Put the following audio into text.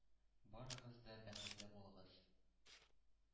Барыгыз да бәхетле булыгыз!